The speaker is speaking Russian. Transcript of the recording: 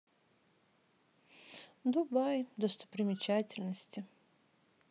дубаи достопримечательности